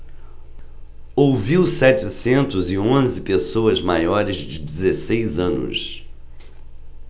ouviu setecentos e onze pessoas maiores de dezesseis anos